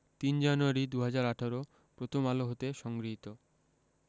০৩ January ২০১৮ Prothom Alo হতে সংগৃহীত